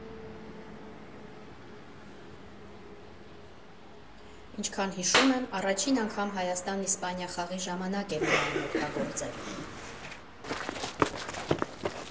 Ինչքան հիշում եմ՝ առաջին անգամ Հայաստան֊Իսպանիա խաղի ժամանակ եմ միայն օգտագործել։